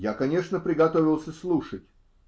Я, конечно, приготовился слушать.